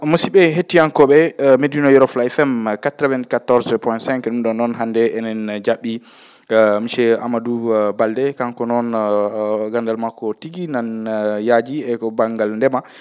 Musid?e hettiyankoo?e Médina Yoro Fula FM 94 POINT 5 ?um ?o noon hannde enen ja??ii monsieur Amadou Baldé kanko noon ganndal makko tigi nan yaaji e ko banngal ndema